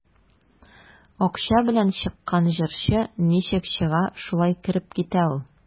Акча белән чыккан җырчы ничек чыга, шулай кереп китә ул.